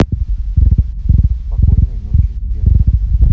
спокойной ночи сбер